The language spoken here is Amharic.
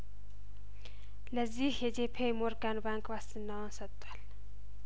ለዚህ የጄፔ ሞርጋን ባንክ ዋስትናዋን ሰጥቷል